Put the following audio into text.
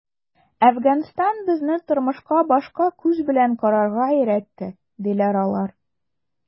“әфганстан безне тормышка башка күз белән карарга өйрәтте”, - диләр алар.